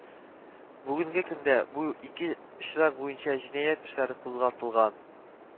Бүгенге көндә бу ике очрак буенча җинаять эшләр кузгатылган